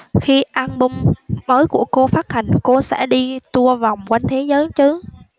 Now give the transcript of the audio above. khi album mới của cô phát hành cô sẽ đi tour vòng quanh thế giới chứ